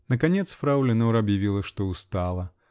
Наконец фрау Леноре объявила, что устала.